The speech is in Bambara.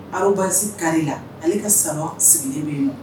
Arobase carré la, ale ka salon sigini bɛ yen nɔ.